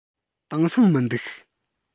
དེང སང མི འདུག